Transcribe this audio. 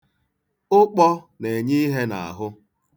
Ụkpọ na-enye ihe n'ahụ.